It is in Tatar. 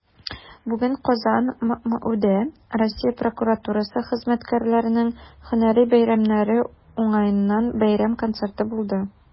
Бүген "Казан" ММҮдә Россия прокуратурасы хезмәткәрләренең һөнәри бәйрәмнәре уңаеннан бәйрәм концерты булды.